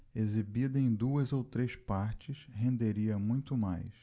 exibida em duas ou três partes renderia muito mais